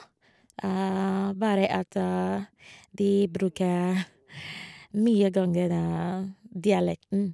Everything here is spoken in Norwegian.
Bare at de bruke mye gangene dialekten.